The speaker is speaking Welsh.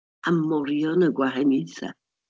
A morio yn y gwahaniaethau.